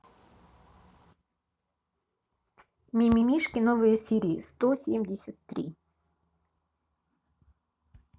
мимимишки новые серии сто семьдесят три